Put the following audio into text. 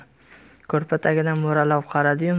ko'rpa tagidan mo'ralab qaradi yu